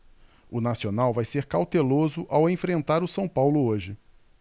o nacional vai ser cauteloso ao enfrentar o são paulo hoje